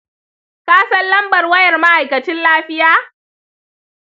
ka san lambar wayar ma’aikacin lafiya?